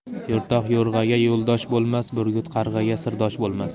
yo'rtoq yo'rg'aga yo'ldosh bo'lmas burgut qarg'aga sirdosh bo'lmas